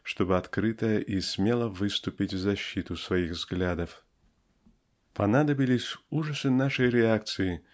чтобы открыто и смело выступить в защиту своих взглядов. Понадобились ужасы нашей реакции